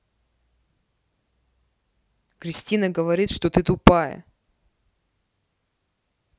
кристина говорит что ты тупая